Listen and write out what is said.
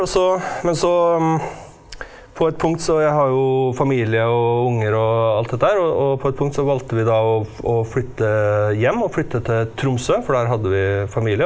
og så men så på et punkt så jeg har jo familie og unger og alt dette her, og og på et punkt så valgte vi da å å flytte hjem å flytte til Tromsø for der hadde vi familie.